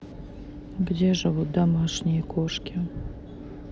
где живут домашние кошки